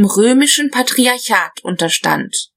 römischen Patriarchat unterstand